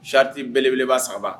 Sarati belebeleba saba